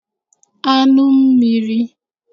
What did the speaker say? anụmmiri